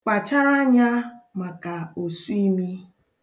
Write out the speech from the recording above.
Kpachara anya maka osuimi.